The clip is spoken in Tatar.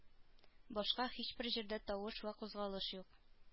Башка һичбер җирдә тавыш вә кузгалыш юк